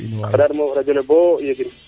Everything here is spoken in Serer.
o moof no radio bo o yegin